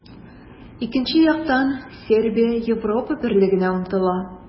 Икенче яктан, Сербия Европа Берлегенә омтыла.